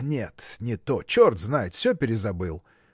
нет, не то, черт знает – все перезабыл.